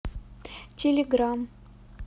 telegram